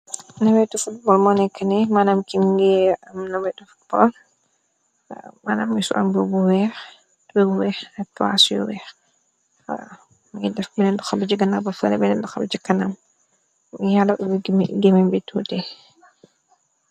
Neweti football mu nekuh ni manam mungi am neweti tul mungi sul mbobu bu weex tubeye bu weex ak kawas bu weex mungi def benen luxho bi si ganaw faleh benen bi si kanam